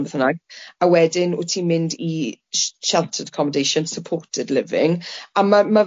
ne beth bynnag a wedyn wt ti'n mynd i sh-sheltered accommodation supported living a ma' ma' fe fel ryw